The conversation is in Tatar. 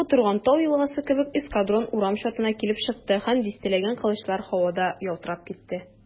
Котырган тау елгасы кебек эскадрон урам чатына килеп чыкты, һәм дистәләгән кылычлар һавада ялтырап китте.